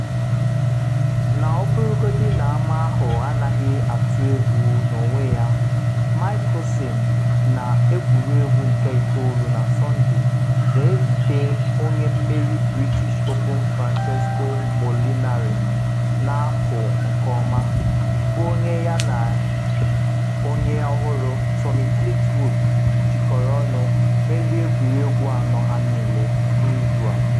Na ọ bụrụgodi na ama ahụ anaghị atụ egwu n’onwe ya, Mickelson, na egwuregwu nke itoolu na Sọnde ga-ezute onye mmeri British Open Francesco Molinari na-akụ nke ọma, bụ onye ya na onye ọhụrụ Tommy Fleetwood jikọrọ ọnụ merie egwuregwu anọ ha niile n’izu a.